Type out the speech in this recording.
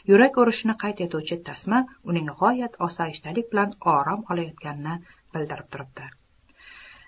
yurak urishini qayd etuvchi tasma uning g'oyat osoyishtalik bilan orom olayotganini bildirib turibdi